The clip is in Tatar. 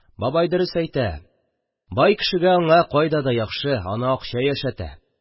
– бабай дөрес әйтә, бай кешегә аңа кайда да яхшы, аны акча яшәтә